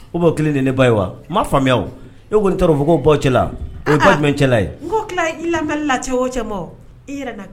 O baw kelen ni ne ba wa faamuya e kɔni tɔɔrɔ ko bɔ cɛlala i ka bɛ cɛlala ye n ko tila i lala o cɛ i yɛrɛ